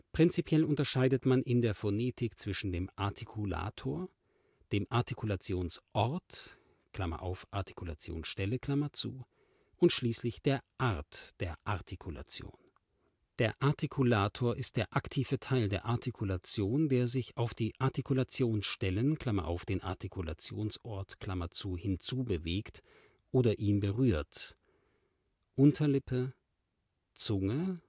Prinzipiell unterscheidet man in der Phonetik zwischen dem Artikulator, dem Artikulationsort (Artikulationsstelle) und schließlich der Art der Artikulation. 1. exolabial 2. endolabial 3. dental 4. alveolar 5. postalveolar 6. prepalatal 7. palatal 8. velar 9. uvular 10. pharyngal 11. glottal 12. epiglottal 13. radikal 14. posterodorsal 15. anterodorsal 16. laminal 17. apikal 18. sublaminal Der Artikulator ist der aktive Teil der Artikulation, der sich auf die Artikulationsstellen (den Artikulationsort) hinzubewegt oder ihn berührt: Unterlippe Zunge